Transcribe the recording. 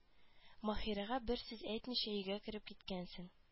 Маһирәгә бер сүз әйтмичә өйгә кереп киткәнсең